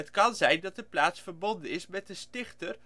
kan zijn dat de plaats verbonden is met de stichter